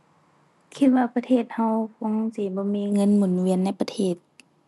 คิดว่าประเทศเราคงสิบ่มีเงินหมุนเวียนในประเทศ